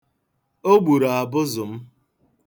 O gburu abụzụ m.